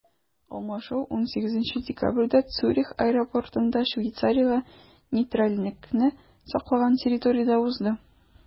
Алмашу 18 декабрьдә Цюрих аэропортында, Швейцариягә нейтральлекне саклаган территориядә узды.